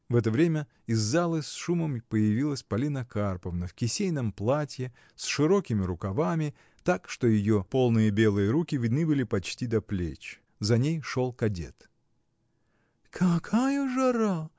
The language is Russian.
В это время из залы с шумом появилась Полина Карповна, в кисейном платье, с широкими рукавами, так что ее полные белые руки видны были почти до плеч. За ней шел кадет. — Какая жара!